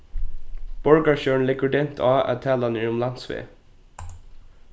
borgarstjórin leggur dent á at talan er um landsveg